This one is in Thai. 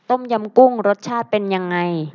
ต้มยำกุ้งรสชาติเป็นยังไง